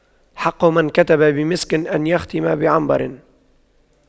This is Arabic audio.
حق من كتب بمسك أن يختم بعنبر